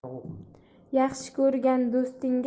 yaxshi ko'rgan do'stingga